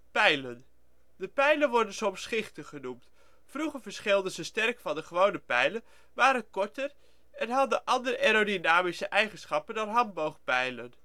De pijlen worden soms schichten genoemd. Vroeger verschilden ze sterk van gewone pijlen, waren korter en hadden andere aerodynamische eigenschappen dan handboogpijlen